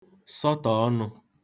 sọtọ̀ ọnụ̄